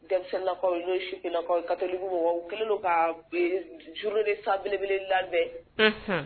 Denmisɛnninlakaw y'o su keleninakaw katɛli mɔgɔw kelen don kajuru de sanbelebele labɛn